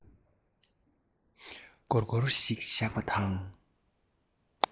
སྒོར སྒོར ཞིག བཞག པ དང